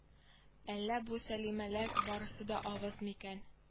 Әллә бу сәлимәләр барысы да авыз микән